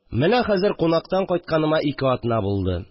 Менә хәзер кунактан кайтканым ике атна булды